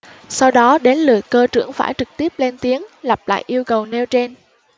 sau đó đến lượt cơ trưởng phải trực tiếp lên tiếng lặp lại yêu cầu nêu trên